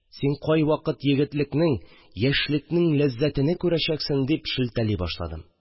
Син кайвакыт егетлекнең, яшьлекнең ләззәтене күрәчәксең», – дип шелтәли башладым